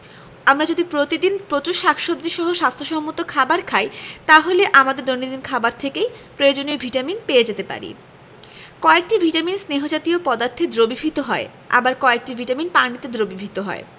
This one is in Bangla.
আমরা যদি প্রতিদিন প্রচুর শাকসবজী সহ স্বাস্থ্য সম্মত খাবার খাই তাহলে আমাদের দৈনন্দিন খাবার থেকেই প্রয়োজনীয় ভিটামিন পেয়ে যেতে পারি কয়েকটি ভিটামিন স্নেহ জাতীয় পদার্থে দ্রবীভূত হয় আবার কয়েকটি ভিটামিন পানিতে দ্রবীভূত হয়